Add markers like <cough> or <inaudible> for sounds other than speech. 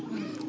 <hesitation> <hesitation>